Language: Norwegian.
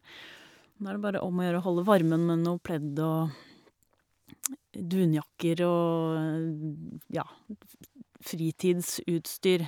Men da er det bare om å gjøre å holde varmen med noe pledd og dunjakker og, f ja, fritidsutstyr.